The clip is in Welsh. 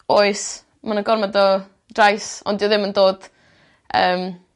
Oes ma' 'na gormod o drais ond dyw e ddim yn dod yym